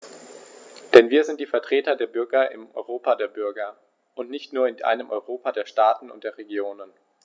Denn wir sind die Vertreter der Bürger im Europa der Bürger und nicht nur in einem Europa der Staaten und der Regionen.